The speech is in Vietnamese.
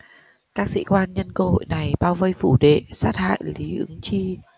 các sĩ quan nhân cơ hội này bao vây phủ đệ sát hại lý ứng chi